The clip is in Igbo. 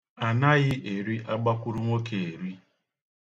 A naghị eri agbakụrụnwoke eri.